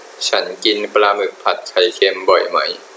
ฉันกินปลาหมึกผัดไข่เค็มบ่อยไหม